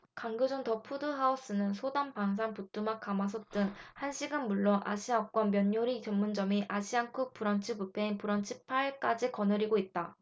광교점 더 푸드 하우스는 소담반상 부뚜막 가마솥 등 한식은 물론 아시아권 면 요리 전문점인 아시안쿡 브런치뷔페인 브런치 팔 까지 거느리고 있다